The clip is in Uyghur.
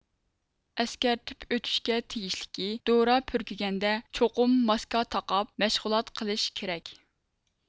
ئەسكەرتىپ ئۆتۈشكە تېگىشلىكى دورا پۈركىگەندە چوقۇم ماسكا تاقاپ مەشغۇلات قىلىش كېرەك